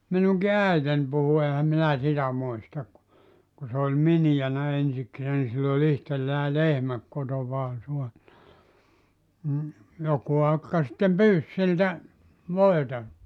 minunkin äitini puhui enhän minä sitä muista kun kun se oli miniänä ensikseen niin sillä oli itsellään lehmä kotonaan saanut mm joku akka sitten pyysi siltä voita